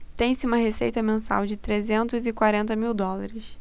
tem-se uma receita mensal de trezentos e quarenta mil dólares